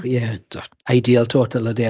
ie tibod ideal 'to twel ody e